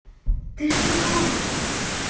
ты живой